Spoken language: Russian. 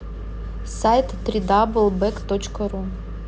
сайт три дабл бэк точка ру